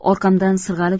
orqamdan sirg'alib